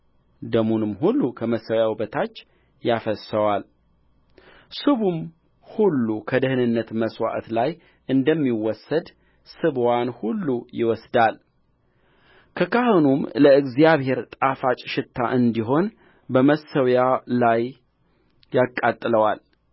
ደሙንም ሁሉ ከመሠዊያው በታች ያፈስሰዋልስቡም ሁሉ ከደኅንነት መሥዋዕት ላይ እንደሚወሰድ ስብዋን ሁሉ ይወስዳል ካህኑም ለእግዚአብሔር ጣፋጭ ሽታ እንዲሆን በመሠዊያው ላይ ያቃጥለዋል